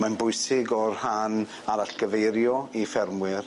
Mae'n bwysig o rhan arallgyfeirio i ffermwyr.